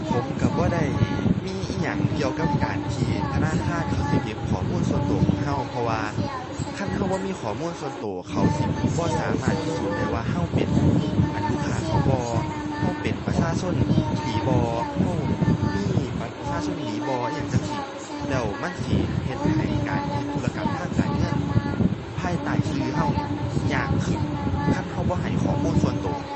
ผมก็บ่ได้มีอิหยังเกี่ยวกับการที่ธนาคารเขาสิเก็บข้อมูลส่วนก็ของก็ เพราะว่า คันก็บ่มีข้อมูลส่วนก็ เขาสิบ่สามารถพิสูจน์ได้ว่าก็เป็น อั่น ลูกค้าเขาบ่ ก็เป็นประชาชนอีหลีบ่ ก็มีบัตรประชาชนอีหลีบ่ อิหยังจั่งซี้ แล้วมันสิเฮ็ดให้การเฮ็ดธุรกรรมทางการเงินภายใต้ก็ก็เนี่ย ยากขึ้น คันก็บ่ให้ข้อมูลส่วนก็